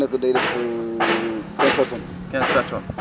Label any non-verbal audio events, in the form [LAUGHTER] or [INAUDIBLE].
[NOISE] bon section bu nekk day def [HESITATION] [NOISE] quinze personnes